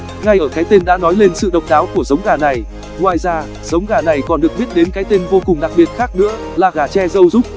ngay ở cái tên đã nói lên sự độc đáo của giống gà này ngoài ra giống gà này còn được biết đến cái tên vô cùng đặc biệt khác nữa là gà tre râu dúc